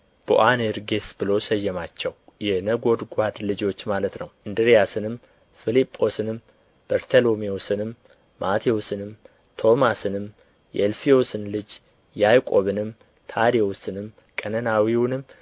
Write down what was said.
ቦአኔርጌስ ብሎ ሰየማቸው የነጎድጓድ ልጆች ማለት ነው እንድርያስንም ፊልጶስንም በርተሎሜውስንም ማቴዎስንም ቶማስንም የእልፍዮስን ልጅ ያዕቆብንም ታዴዎስንም ቀነናዊውንም